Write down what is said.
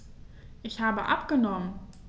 Ich habe abgenommen.